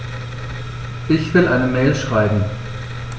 Ich will eine Mail schreiben.